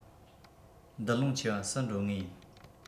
འདུ ལོང ཆེ བ སུ འགྲོ ངེས ཡིན